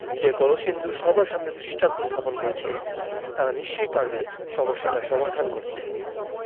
যে কলসিন্দুর সবার সামনে দৃষ্টান্ত স্থাপন করেছে তারা নিশ্চয়ই পারবে সমস্যাটার সমাধান করতে